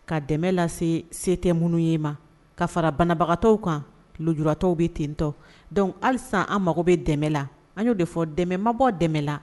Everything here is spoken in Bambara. Ka dɛmɛ lase se tɛm ye ma ka fara banabagatɔ kan julatɔ bɛ tentɔ dɔnkuc hali san an mago bɛ dɛmɛ la an y'o de fɔ dɛmɛ mabɔ dɛmɛ la